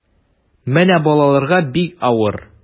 Менә балаларга бик авыр.